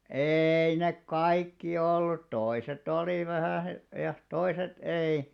ei ne kaikki ollut toiset oli vähän ja toiset ei